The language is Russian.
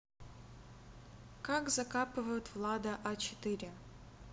как закапывают влада а четыре